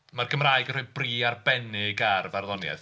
Mae'r Gymraeg yn rhoi bri arbennig ar farddoniaeth.